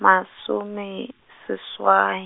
masome, seswai.